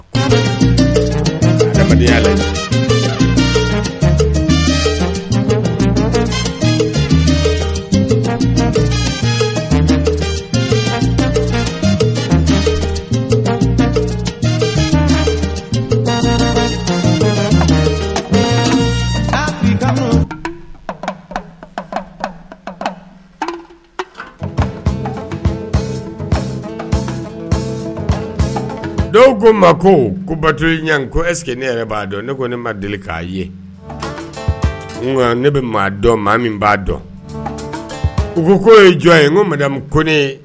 Dɔw ko ma ko ko bato ɲɛ ko eseke ne yɛrɛ b'a dɔn ne ko ne ma deli k'a ye ne bɛ maa dɔn maa min b'a dɔn u ko ye jɔn ye ko mada ko ne